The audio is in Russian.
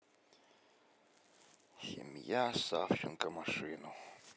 семья савченко машину